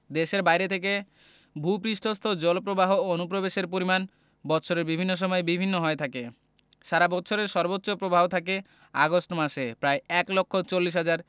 দেশের বাইরে থেকে ভূ পৃষ্ঠস্থ জলপ্রবাহ অনুপ্রবেশের পরিমাণ বৎসরের বিভিন্ন সময়ে বিভিন্ন হয়ে থাকে সারা বৎসরের সর্বোচ্চ প্রবাহ থাকে আগস্ট মাসে প্রায় এক লক্ষ চল্লিশ হাজার